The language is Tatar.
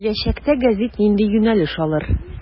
Киләчәктә гәзит нинди юнәлеш алыр.